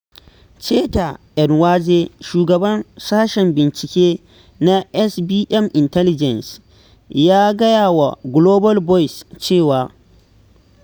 Cheta Nwanze, Shugaban Sashen Bincike na 'SBM Intelligence' ya gaya wa 'Global voice cewa: